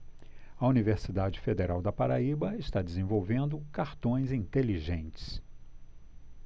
a universidade federal da paraíba está desenvolvendo cartões inteligentes